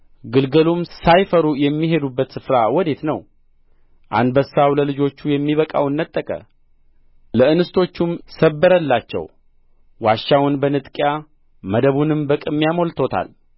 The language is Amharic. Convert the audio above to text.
ግልገሉም ሳይፈሩ የሚሄዱት ስፍራ ወዴት ነው አንበሳው ለልጆቹ የሚበቃውን ነጠቀ ለእንስቶቹም ሰበረላቸው ዋሻውን በንጥቂያ መደቡንም በቅሚያ ሞልቶታል